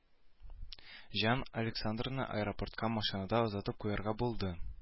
Жан александраны аэропортка машинада озатып куярга булды